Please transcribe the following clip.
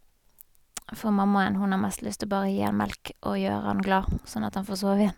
For mammaen, hun har mest lyst å bare gi han melk og gjøre han glad, sånn at han får sove igjen.